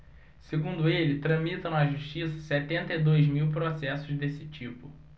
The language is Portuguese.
segundo ele tramitam na justiça setenta e dois mil processos desse tipo